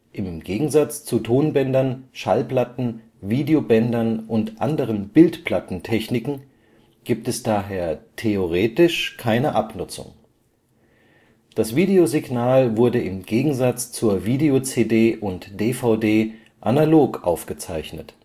Im Gegensatz zu Tonbändern, Schallplatten, Videobändern und anderen Bildplatten-Techniken gibt es daher theoretisch keine Abnutzung. Das Videosignal wurde im Gegensatz zur Video-CD und DVD analog aufgezeichnet